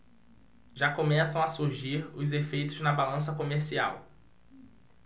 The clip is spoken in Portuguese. já começam a surgir os efeitos na balança comercial